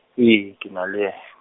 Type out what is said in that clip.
ee, kena le yen-.